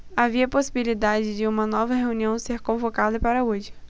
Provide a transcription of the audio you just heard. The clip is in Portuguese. havia possibilidade de uma nova reunião ser convocada para hoje